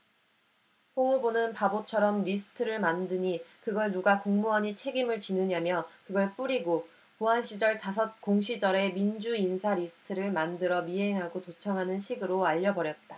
홍 후보는 바보처럼 리스트를 만드니 그걸 누가 공무원이 책임을 지느냐며 그걸 뿌리고 보안시절 다섯 공시절에 민주인사 리스트를 만들어 미행하고 도청하는 식으로 알려 버렸다